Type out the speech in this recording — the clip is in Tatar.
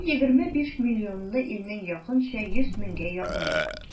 Бу егерме биш миллионлы илнең якынча йөз меңгә якыны.